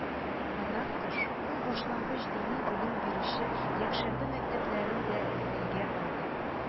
Моннан тыш, ул башлангыч дини белем бирүче якшәмбе мәктәпләрен дә телгә алды